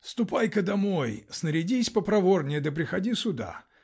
-- Ступай-ка домой, снарядись попроворнее да приходи сюда.